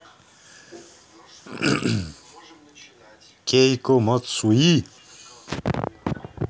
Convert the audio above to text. кейко мацуи